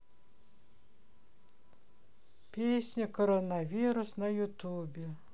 песня коронавирус на ютубе